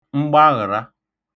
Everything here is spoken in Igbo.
mgbaghə̣̀ra